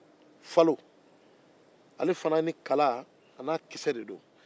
falo ale fana ni kala an'a kisɛ bɛ don